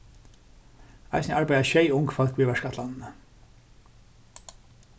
eisini arbeiða sjey ung fólk við verkætlanini